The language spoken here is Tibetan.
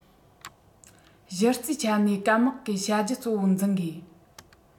གཞི རྩའི ཆ ནས སྐམ དམག གིས བྱ རྒྱུ གཙོ བོར འཛིན དགོས